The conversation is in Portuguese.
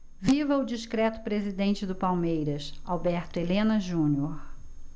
viva o discreto presidente do palmeiras alberto helena junior